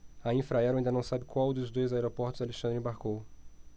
a infraero ainda não sabe em qual dos dois aeroportos alexandre embarcou